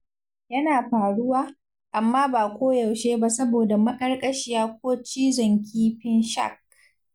Yana faruwa, amma ba koyaushe ba saboda maƙarƙashiya ko cizon kifin shak.